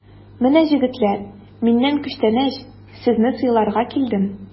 Менә, җегетләр, миннән күчтәнәч, сезне сыйларга килдем!